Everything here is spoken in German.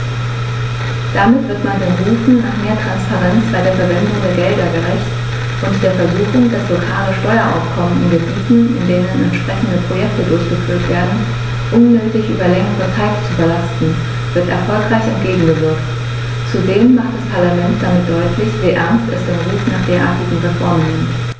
Damit wird man den Rufen nach mehr Transparenz bei der Verwendung der Gelder gerecht, und der Versuchung, das lokale Steueraufkommen in Gebieten, in denen entsprechende Projekte durchgeführt werden, unnötig über längere Zeit zu belasten, wird erfolgreich entgegengewirkt. Zudem macht das Parlament damit deutlich, wie ernst es den Ruf nach derartigen Reformen nimmt.